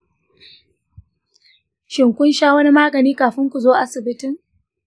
shin kun sha wani magani kafin ku zo asibitin?